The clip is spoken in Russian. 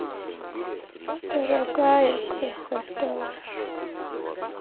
дорогая красота